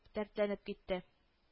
Дәртләнеп китте